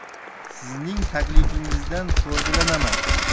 sizning taklifingizdan foydalanaman